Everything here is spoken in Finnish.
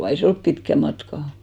ei se ole pitkä matka